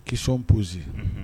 Kisɔn pozsi